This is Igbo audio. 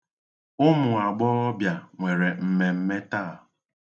Ụmụ agbọghọbịa nwere mmemme taa.